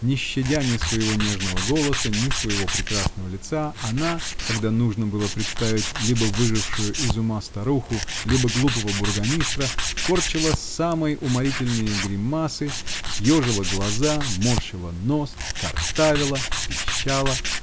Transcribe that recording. не щадя ни своего нежного голоса, ни своего прекрасного лица, она -- когда нужно было представить либо выжившую из ума старуху, либо глупого бургомистра, -- корчила самые уморительные гримасы, ежила глаза, морщила нос, картавила, пищала.